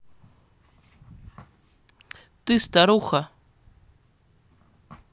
ты старуха